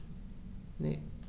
Ne.